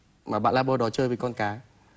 mà bạn la bô đó chơi với con cá